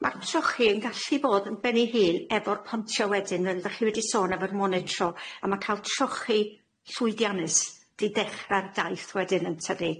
Ma'r trochi yn gallu bod yn ben ei hun efo'r pontio wedyn yym 'dach chi wedi sôn efo'r monitro a ma' ca'l trochi llwydiannus 'di dechra'r daith wedyn yn tydi?